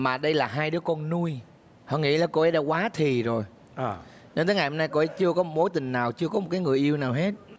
mà đây là hai đứa con nuôi hẳn nghĩ là cô ấy đã quá thì rồi à đến tới ngày hôm nay cô ấy chưa có mối tình nào chưa có một cái người yêu nào hết